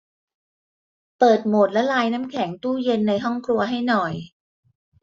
เปิดโหมดละลายน้ำแข็งตู้เย็นในห้องครัวให้หน่อย